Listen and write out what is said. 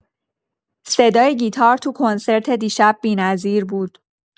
صدای گیتار تو کنسرت دیشب بی‌نظیر بود.